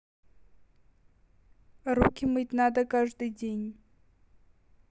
руки мыть надо каждый день